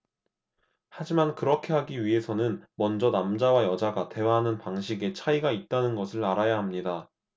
하지만 그렇게 하기 위해서는 먼저 남자와 여자가 대화하는 방식에 차이가 있다는 것을 알아야 합니다